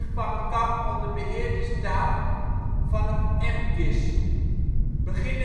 kwam het kamp onder beheer te staan van het MKiS. Begin